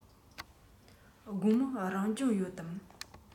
དགོང མོ རང སྦྱོང ཡོད དམ